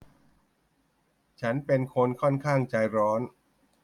ฉันเป็นคนข้อนข้างใจร้อน